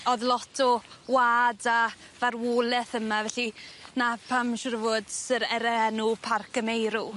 O'dd lot o wa'd a farwoleth yma felly 'na pam siŵr o fod sy'r yr yy enw Parc y Meirw.